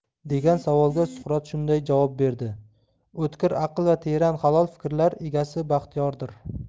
degan savolga suqrot shunday javob berdi otkir aql va teran halol fikrlar egasi baxtiyordir